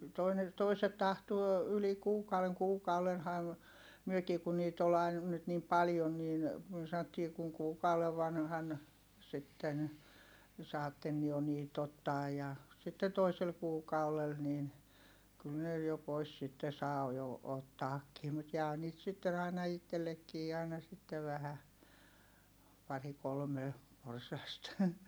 toinen toiset tahtoo yli kuukauden kuukaudenhan mekin kun niitä oli aina nyt niin paljon niin me sanottiin kun kuukauden vanhana sitten saatte jo niitä ottaa ja sitten toisella kuukaudella niin kyllä ne jo pois sitten saa jo ottaakin mutta jää niitä sitten aina itsellekin aina sitten vähän pari kolme porsasta